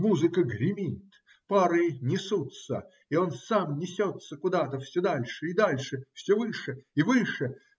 Музыка гремит, пары несутся, и он сам несется куда-то все дальше и дальше, все выше и выше.